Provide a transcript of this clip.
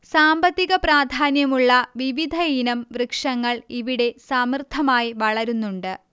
സാമ്പത്തിക പ്രാധാന്യമുള്ള വിവിധയിനം വൃക്ഷങ്ങൾ ഇവിടെ സമൃദ്ധമായി വളരുന്നുണ്ട്